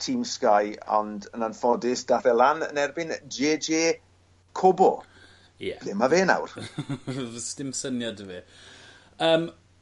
tîm Sky ond yn anffodus dath e lan yn erbyn Jay Jay Cobo. Ie. Ble ma' fe nawr? Do's dim syniad 'da fi. Yym.